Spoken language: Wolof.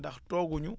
ndax toogu ñu